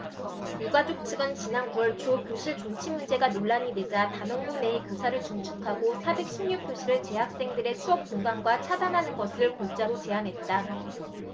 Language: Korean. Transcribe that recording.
유가족 측은 지난 구 월초 교실 존치 문제가 논란이 되자 단원고 내에 교사를 증축하고 사백 십 육 교실을 재학생들의 수업 공간과 차단하는 것을 골자로 제안했다